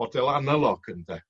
Model analog ynde.